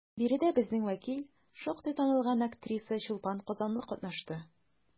Биредә безнең вәкил, шактый танылган актриса Чулпан Казанлы катнашты.